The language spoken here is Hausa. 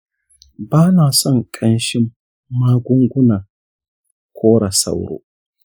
ba na son ƙanshin magungunan kora sauro.